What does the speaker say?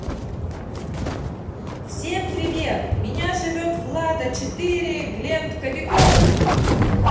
всем привет меня живет влада четыре глент кобяков